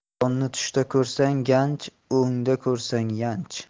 ilonni tushda ko'rsang ganj o'ngda ko'rsang yanch